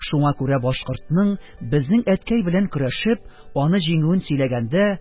Шуңа күрә башкортның, безнең әткәй белән көрәшеп, аны җиңүен сөйләгәндә: